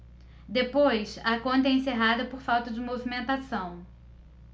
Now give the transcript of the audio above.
depois a conta é encerrada por falta de movimentação